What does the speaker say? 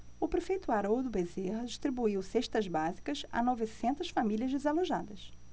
o prefeito haroldo bezerra distribuiu cestas básicas a novecentas famílias desalojadas